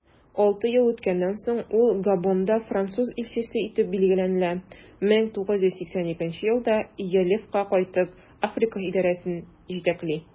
Алты ел үткәннән соң, ул Габонда француз илчесе итеп билгеләнә, 1982 елда Elf'ка кайтып, Африка идарәсен җитәкли.